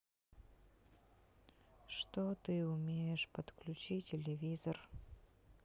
что ты умеешь подключи телевизор